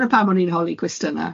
Dyna pam o'n i'n holi cwestiyna.